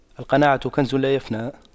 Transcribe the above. القناعة كنز لا يفنى